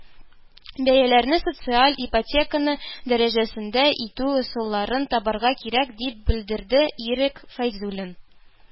“бәяләрне социаль ипотеканыкы дәрәҗәсендә итү ысулларын табарга кирәк”, - дип белдерде ирек фәйзуллин